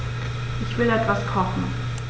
Ich will etwas kochen.